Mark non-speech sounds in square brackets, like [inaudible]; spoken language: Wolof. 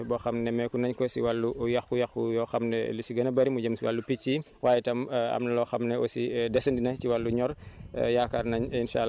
waaye tam am na jafe-jafe boo xam nemmeeku nañ ko si wàllu yàqu-yàqu yoo xam ne li si gën a bëri mu jëm si wàllu picc yi waaye tam [hesitation] am na loo xam ne aussi desandi na si wàllu ñor [breath]